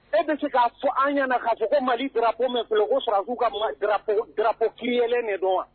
E bɛ se k'a fɔ an ɲɛna k'a fɔ ko mali dɔrɔn mɛn bolo ko su ka jarap kiylen de don wa